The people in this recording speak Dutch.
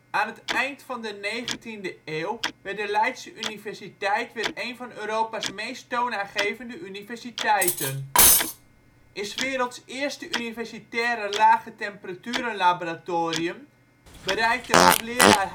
Aan het eind van de negentiende eeuw werd de Leidse universiteit weer een van Europa 's meest toonaangevende universiteiten [bron?]. In ' s werelds eerste universitaire lagetemperaturenlaboratorium bereikte hoogleraar